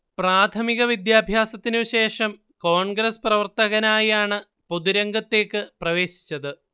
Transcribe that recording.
പ്രാഥമിക വിദ്യഭ്യാസത്തിന് ശേഷം കോൺഗ്രസ് പ്രവർത്തകനായാണ് പൊതുരംഗത്തേക്ക് പ്രവേശിച്ചത്